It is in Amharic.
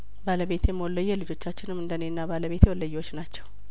ባለቤቴም ወሎዬ ልጆቻችንም እንደእኔና ባለቤቴ ወሎዬዎች ናቸው